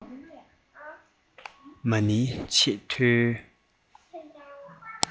ཝཱ ཎའི ཆེས མཐོའི